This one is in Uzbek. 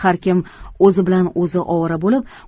har kim o'zi bilan o'zi ovora bo'lib